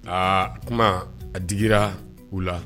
Aa kuma a digira k'u la